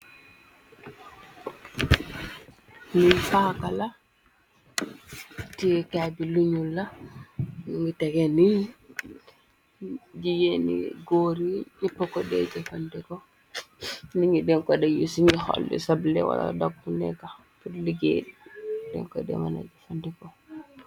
Lee paakala teeka bi luñul la. Nyu ngi tege ni ji yenni góoru ñippa ko de jefandko niñgi denko de yu ci ngi xolli sable. Wala dagu nekka put liggéey denko demëna jë fandiko.